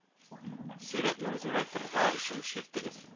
Сурәтне зурайтырга өчен чиртегез